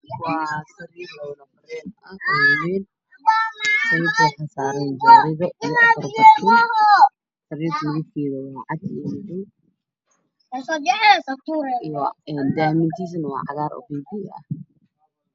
Waa qol waxaa yaalla sariir waxaa saaran go sariirta midabkeedu waa madow